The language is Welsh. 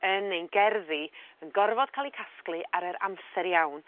yn ein gerddi yn gorfod ca'l eu casglu ar yr amser iawn